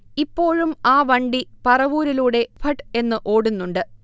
ഇപ്പോഴും ആ വണ്ടി പറവൂരിലൂടെ ഫട് എന്ന് ഓടുന്നുണ്ട്